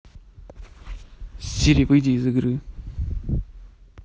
сири выйди из игры